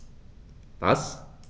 Was?